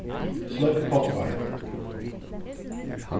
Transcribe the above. sløkk poddvarpið